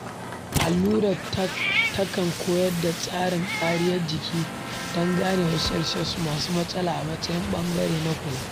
Allurar takan koyar da tsarin kariya jiki don ganewa sel-sel masu matsala a matsayin ɓangare na kula